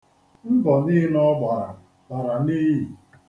Mbọ niile ọ gbara lara n'iyi.